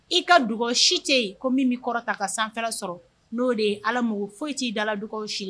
I ka dugawu si tɛ yen ko min bɛ kɔrɔta ka sanfɛla sɔrɔ n'o de ye allah mago foyi t'i dala dugawu si la